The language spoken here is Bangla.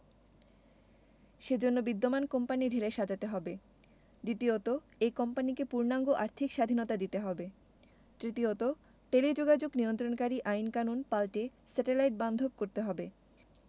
সে জন্য বিদ্যমান কোম্পানি ঢেলে সাজাতে হবে দ্বিতীয়ত এই কোম্পানিকে পূর্ণাঙ্গ আর্থিক স্বাধীনতা দিতে হবে তৃতীয়ত টেলিযোগাযোগ নিয়ন্ত্রণকারী আইনকানুন পাল্টে স্যাটেলাইট বান্ধব করতে হবে